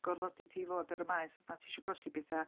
Gorfodi ti i fod ar y Maes os nad ti isio colli pethau.